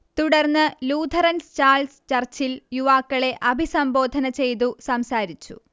തുടർന്ന് Lutheran Charles ചർച്ചിൽ യുവാക്കളെ അഭിസംബോധന ചെയ്തു സംസാരിച്ചു